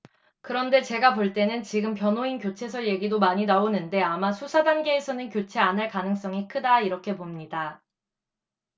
그런데 제가 볼 때는 지금 변호인 교체설 얘기도 많이 나오는데 아마 수사 단계에서는 교체 안 할 가능성이 크다 이렇게 봅니다